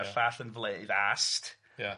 a'r llall yn flei- ast... Ia...